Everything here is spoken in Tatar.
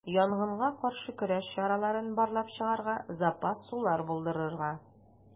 Янгынга каршы көрәш чараларын барлап чыгарга, запас сулар булдырырга.